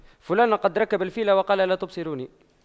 فلان قد ركب الفيل وقال لا تبصروني